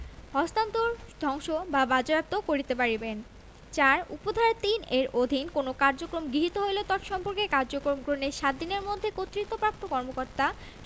হস্তান্তর ধ্বংস বা বাজেয়াপ্ত কিরতে পারিবেন ৪ উপ ধারা ৩ এর অধীন কোন কার্যক্রম গৃহীত হইলে তৎসম্পর্কে কার্যক্রম গ্রহণের ৭ দিনের মধ্যে কর্তৃত্বপ্রাপ্ত কর্মকর্তা